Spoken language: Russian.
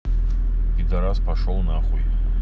пидарас пошел на хуй